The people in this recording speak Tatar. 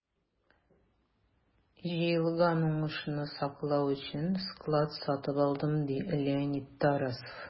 Җыелган уңышны саклау өчен склад сатып алдым, - ди Леонид Тарасов.